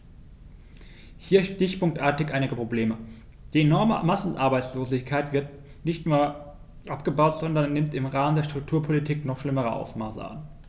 Hier stichpunktartig einige Probleme: Die enorme Massenarbeitslosigkeit wird nicht nur nicht abgebaut, sondern nimmt im Rahmen der Strukturpolitik noch schlimmere Ausmaße an.